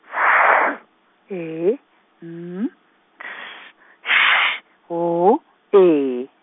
F E N T Š W E.